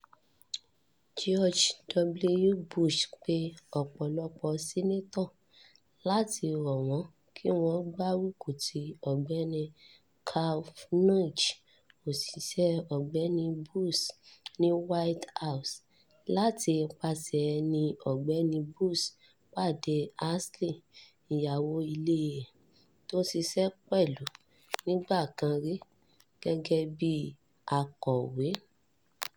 George W. Bush pe ọ̀pọ̀lọpọ̀ Sìnàtọ̀ láti rọ̀ wọn kí wọ́n gbárùkùtì Ọ̀gbẹni Kavanaugh, òṣìṣẹ́ Ọ̀gbẹni Bush ní White House. Làti ipasẹ̀ ẹ̀ ni Ọ̀gbẹni Bush pàdé Ashley, ìyàwó ilé ẹ̀ tó ṣiṣẹ́ pẹ̀lú nígbà kan rí gẹ́gẹ́ bí akọ̀wé,